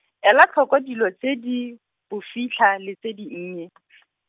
ela tlhoko dilo tse di, bofitlha, le tse dinnye .